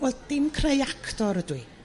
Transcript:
wel dim creu actor ydw i.